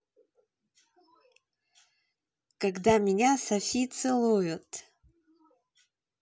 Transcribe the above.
когда меня софи целуют